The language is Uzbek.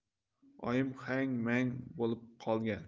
oyim hang mang bo'lib qolgan